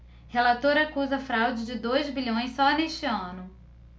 relator acusa fraude de dois bilhões só neste ano